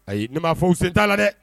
Ayi ne ma fɔ sen' la dɛ